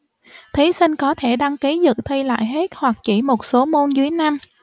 thí sinh có thể đăng ký dự thi lại hết hoặc chỉ một số môn dưới năm